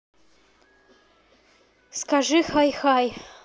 скажи хай хай